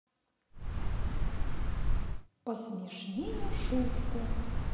посмешнее шутку